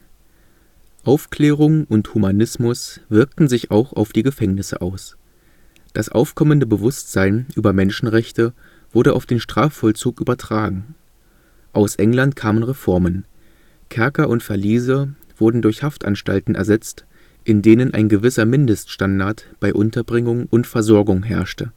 Aufklärung und Humanismus wirkten sich auch auf die Gefängnisse aus. Das aufkommende Bewusstsein über Menschenrechte wurde auf den Strafvollzug übertragen. Aus England kamen Reformen: Kerker und Verliese wurden durch Haftanstalten ersetzt, in denen ein gewisser Mindeststandard bei Unterbringung und Versorgung herrschte